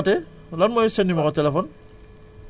Makhtar diakhaté lan mooy sam numéro téléphone